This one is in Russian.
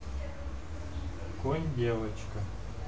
конь девочка